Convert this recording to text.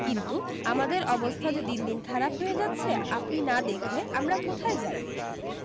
কিন্তু আমাদের অবস্থা যে দিন দিন খারাপ হয়ে যাচ্ছে আপনি না দেখলে আমরা কোথায় যাই